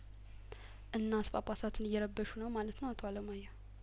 እናስ ጳጳሳትን እየረበሹ ነው ማለት ነው አቶ አለማየሁ